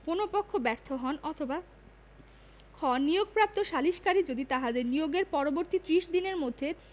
কোন পক্ষ ব্যর্থ হন অথবা খ নিয়োগপ্রাপ্ত সালিসকারী যদি তাহাদের নিয়োগের পরবর্তি ত্রিশ দিনের মধ্যে